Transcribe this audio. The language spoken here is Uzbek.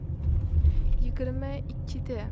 yigirma ikkida